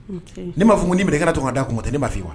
N m maa fɔ ko ni minɛkɛ tɔgɔ d' kuma ma ne m'a fɔ wa